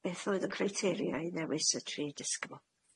Beth oedd y criteria i ddewis y tri disgybl?